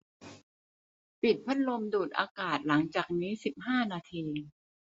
ปิดพัดลมดูดอากาศหลังจากนี้สิบห้านาที